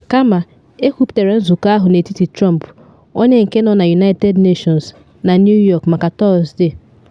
Kama, ekwuputere nzụkọ n’etiti Trump, onye nke nọ na United Nations na New York maka Tọsde.